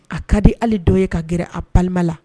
A ka di hali dɔ ye ka gɛrɛ a balima la